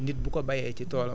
ñoom ñoo bokk même famille